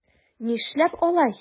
Нишләп алай?